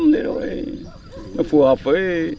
thế thôi nó phù hợp với